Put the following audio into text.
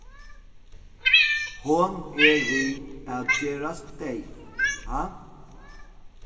hon er við at gerast deyv ha